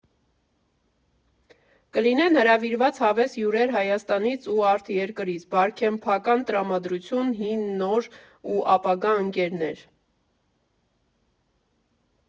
Կլինեն հրավիրված հավես հյուրեր Հայաստանից ու արտերկրից, բարքեմփական տրամադրություն, հին, նոր ու ապագա ընկերներ։